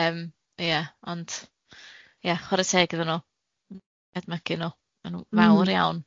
Yym ia, ond ia, chwarae teg iddyn nw, edmygu nw, o'n nw yn fawr iawn .